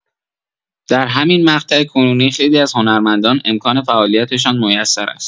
در همین مقطع کنونی خیلی از هنرمندان امکان فعالیت‌شان میسر است!